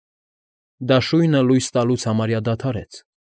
Դաշույնը լույս տալուց համարյա դադարեց։